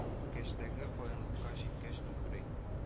Үркәчтәге каенлыкка җиткәч туктый